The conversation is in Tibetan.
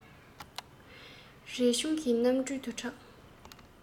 རས ཆུང གི རྣམ སྤྲུལ དུ གྲགས